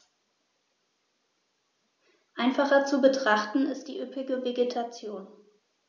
Einfacher zu betrachten ist die üppige Vegetation.